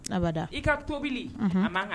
Abada i ka tobili a